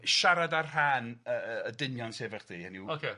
Siarad ar rhan yy yy y dynion sy efo chdi, hynny yw... Ocê.